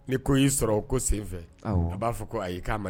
Ni ko y'i sɔrɔ ko senfɛ a b'a fɔ ko ayi ma